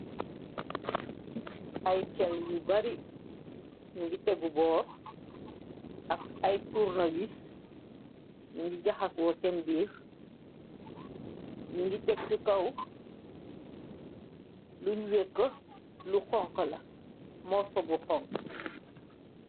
Ay kele yu bari nongi tegu boor ak ay turnawis mongi jaxas wo seen biir nongi teg ci kaw lun weka lu xonka la morso bu xonxa.